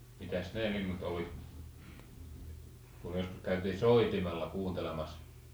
mitäs ne linnut olivat kun joskus käytiin soitimella kuuntelemassa